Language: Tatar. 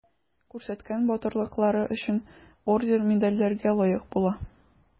Күрсәткән батырлыклары өчен орден-медальләргә лаек була.